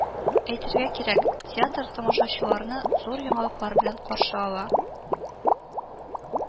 Әйтергә кирәк, театр тамашачыларны зур яңалыклар белән каршы ала